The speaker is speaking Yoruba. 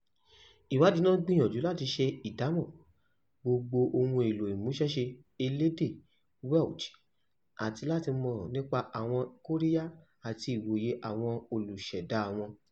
Ìwádìí náà gbìyànjú láti ṣe ìdámọ̀ gbogbo ohun èlò ìmúṣẹ́ṣe elédè Welsh, àti láti mọ̀ nípa àwọn kóríyá àti ìwòye àwọn olùṣẹ̀dá wọn.